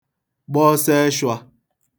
gba ọsọeshwā